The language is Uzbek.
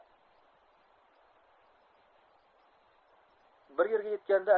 bir yerga yetganda